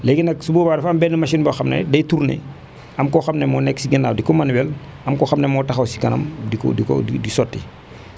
léegi nag su boobaa dafa am benn machine boo xam ne day tourné am koo xam ne moo nekk si ginnaaw di ko manuel am koo xam ne moo taxaw si kanam di ko di ko di sotti